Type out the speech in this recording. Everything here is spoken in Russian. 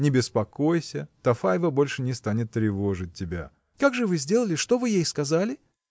Не беспокойся: Тафаева больше не станет тревожить тебя. – Как же вы сделали? Что вы ей сказали?